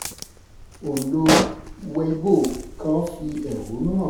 Ònlo Weibo kan fi ẹ̀hónú hàn: